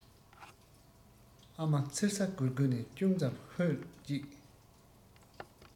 ཨ མ མཚེར ས སྒོར སྒོར ནས ཅུང ཙམ ལ ཧོད ཅིག